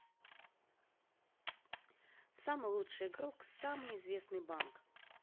самый лучший игрок самый известный банк